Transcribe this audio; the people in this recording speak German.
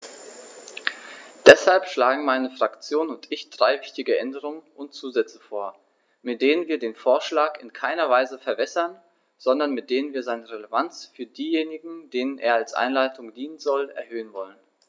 Deshalb schlagen meine Fraktion und ich drei wichtige Änderungen und Zusätze vor, mit denen wir den Vorschlag in keiner Weise verwässern, sondern mit denen wir seine Relevanz für diejenigen, denen er als Anleitung dienen soll, erhöhen wollen.